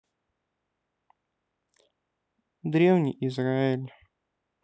древний израиль